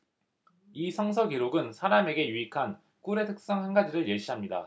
이 성서 기록은 사람에게 유익한 꿀의 특성 한 가지를 예시합니다